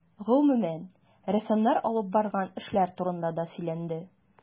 Гомүмән, рәссамнар алып барган эшләр турында да сөйләнде.